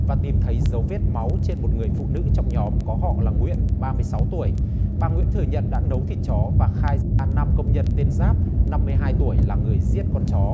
và tìm thấy dấu vết máu trên một người phụ nữ trong nhóm có họ là nguyễn ba mươi sáu tuổi bà nguyễn thừa nhận đã nấu thịt chó và khai ra năm công nhân tên giáp năm mươi hai tuổi là người giết con chó